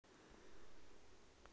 я представляешь что кружится